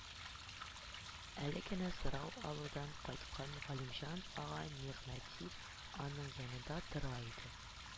Әле генә сорау алудан кайткан Галимҗан ага Нигъмәти аның янында тора иде